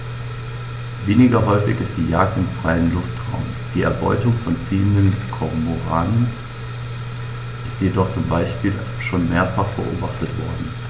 Weniger häufig ist die Jagd im freien Luftraum; die Erbeutung von ziehenden Kormoranen ist jedoch zum Beispiel schon mehrfach beobachtet worden.